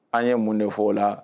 An ye mun de fɔ o la